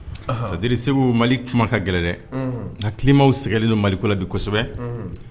Sadiri segu mali kuma ka gɛrɛ dɛ kimaw sɛgɛnli don mali kura bi kosɛbɛ